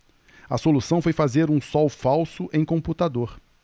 a solução foi fazer um sol falso em computador